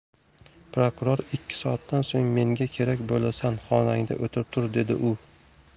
prokuror ikki soatdan so'ng menga kerak bo'lasan xonangda o'tirib tur dedi u